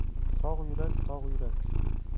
sog' yurak tog' yurak